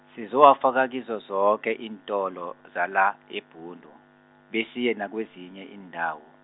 sizowafaka kizo zoke iintolo, zala eBhundu, besiye nakwezinye iindawo.